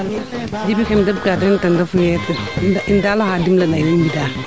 Djiby keem deɓkaa teen ten refuyee in daal xaa dimle na in ten i mbidaa